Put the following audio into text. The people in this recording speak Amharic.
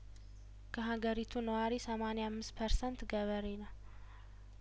ከሀገሪቱ ነዋሪ ሰማኒያ አምስት ፐርሰንት ገበሬ ነው